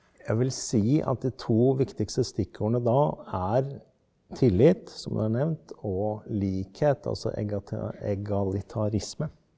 jeg vil si at de to viktigste stikkordene da er tillit, som du har nevnt, og likhet, altså egalitarisme.